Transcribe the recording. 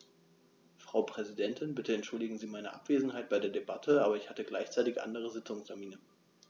Frau Präsidentin, bitte entschuldigen Sie meine Abwesenheit bei der Debatte, aber ich hatte gleichzeitig andere Sitzungstermine.